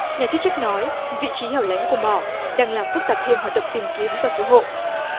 nhà chức trách nói vị trí hẻo lánh của mỏ đang làm phức tạp thêm hoạt động tìm kiếm và cứu hộ